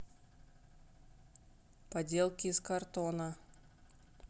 поделки из картона